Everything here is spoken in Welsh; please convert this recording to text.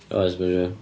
Oes ma' siŵr.